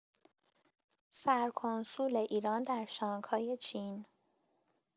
سرکنسول ایران در شانگهای چین